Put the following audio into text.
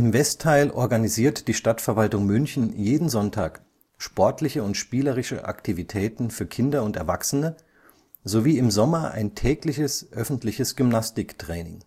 Westteil organisiert die Stadtverwaltung München jeden Sonntag sportliche und spielerische Aktivitäten für Kinder und Erwachsene sowie im Sommer ein tägliches öffentliches Gymnastik-Training